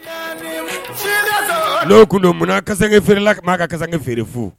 A dɔw kundo munna ka feereerela ka'a kasan feere fo